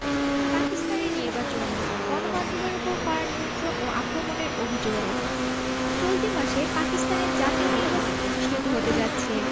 পাকিস্তানে নির্বাচন গণমাধ্যমের ওপর কড়া নিয়ন্ত্রণ ও আক্রমণের অভিযোগ চলতি মাসে পাকিস্তানে জাতীয় নির্বাচন অনুষ্ঠিত হতে যাচ্ছে